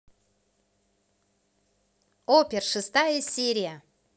опер шестая серия